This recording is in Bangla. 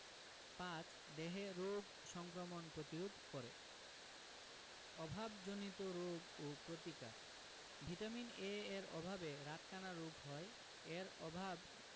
৫. দেহে রোগ সংক্রমণ প্রতিরোধ করে অভাবজনিত রোগ ও প্রতিকার ভিটামিন A এর অভাবে রাতকানা রোগ হয় এর অভাব